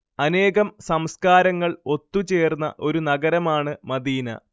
അനേകം സംസ്കാരങ്ങൾ ഒത്തുചേർന്ന ഒരു നഗരമാണ് മദീന